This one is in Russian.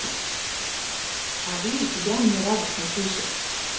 а вы тебя мне радостно слышно